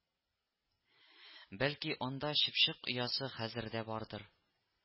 Бәлки анда чыпчык оясы хәзер дә бардыр